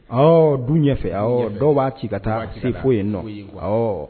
Ɔ dun ɲɛfɛ dɔw b'a ci ka taa se foyi ye nɔ ye ɔ